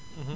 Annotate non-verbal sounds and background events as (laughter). (hesitation) (hesitation)